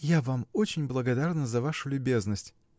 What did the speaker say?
я вам очень благодарна за вашу любезность